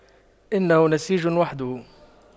إنه نسيج وحده